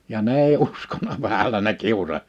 ja ne ei uskonut vähällä ne kiusasi